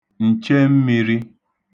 ǹchemmīrī